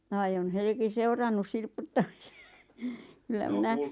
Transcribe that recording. vai on Helki seurannut silputtamisen kyllä minä